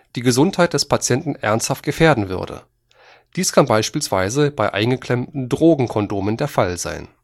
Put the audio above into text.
die Gesundheit des Patienten ernsthaft gefährden würde. Dies kann beispielsweise bei eingeklemmten Drogenkondomen der Fall sein